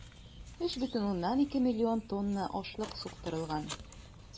3,2 млн тонна ашлык суктырылган.